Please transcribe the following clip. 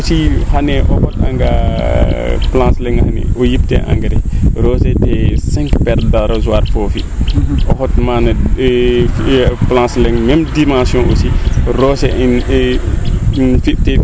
aussi xane o xot anga planche leŋ ne o yup tee engrais roose tee cinq paire rasoir foofi o fod maana plache leŋ meme dimension aussi roose in fi tee